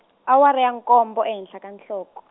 awara ya nkombo e henhla ka nhloko.